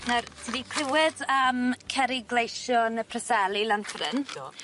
Nawr ti 'di clywed am cerrig gleision y Preseli lan ffor 'yn? Do.